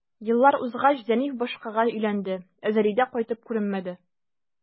Еллар узгач, Зәниф башкага өйләнде, ә Зәлидә кайтып күренмәде.